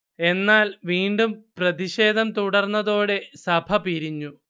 എന്നാൽ വീണ്ടും പ്രതിഷേധം തുടർന്നതോടെ സഭ പിരിഞ്ഞു